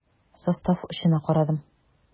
Состав очына карадым.